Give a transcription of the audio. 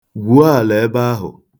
Gwuo ala ebe ahụ.